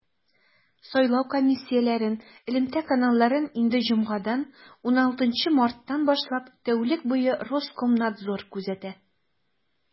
Сайлау комиссияләрен элемтә каналларын инде җомгадан, 16 марттан башлап, тәүлек буе Роскомнадзор күзәтә.